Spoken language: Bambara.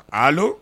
Allo